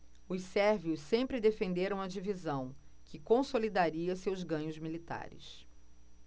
os sérvios sempre defenderam a divisão que consolidaria seus ganhos militares